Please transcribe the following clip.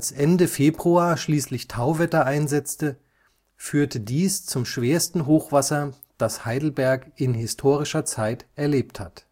Ende Februar schließlich Tauwetter einsetzte, führte dies zum schwersten Hochwasser, das Heidelberg in historischer Zeit erlebt hat